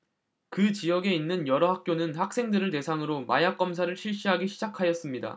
그 지역에 있는 여러 학교는 학생들을 대상으로 마약 검사를 실시하기 시작하였습니다